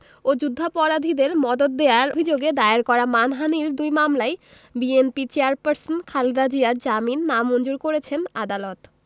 ও যুদ্ধাপরাধীদের মদদ দেওয়ার অভিযোগে দায়ের করা মানহানির দুই মামলায় বিএনপির চেয়ারপারসন খালেদা জিয়ার জামিন নামঞ্জুর করেছেন আদালত